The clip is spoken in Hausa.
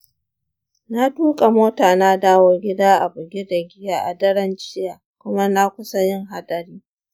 na tuƙa mota na dawo gida a buge da giya a daren jiya kuma na kusa yin haɗari.